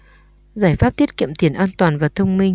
giải pháp tiết kiệm tiền an toàn và thông minh